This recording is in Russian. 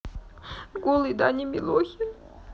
голый даня милохин